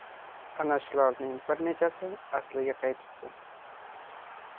ana shularning bir nechasi asliga qaytibdi